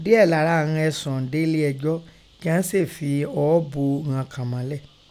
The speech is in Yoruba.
Diẹ lara ìghọn ẹ̀sùn ọ̀ún de ele ẹjọ, kighọn sèè fi ọọ́ bo ìghọn kàn mọlẹ.